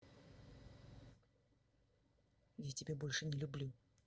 я тебя больше не люблю